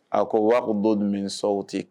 A ko waga don dun bɛ sɔnw tɛ